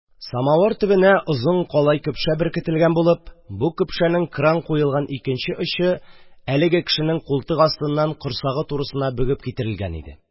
Самавыр төбенә озын калай көпшә беркетелгән булып, бу көпшәнең кран куелган икенче очы әлеге кешенең култык астыннан корсагы турысына бөгеп китерелгән иде.